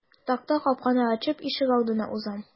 Такта капканы ачып ишегалдына узам.